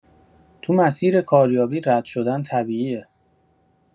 تو مسیر کاریابی، رد شدن طبیعیه.